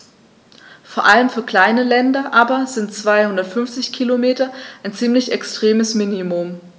Vor allem für kleine Länder aber sind 250 Kilometer ein ziemlich extremes Minimum.